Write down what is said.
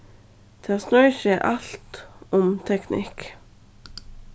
tað snýr seg alt um teknikk